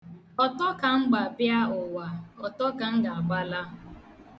Ọtọ ka m gba bịa ụwa, ọtọ ka m ga-agba laa.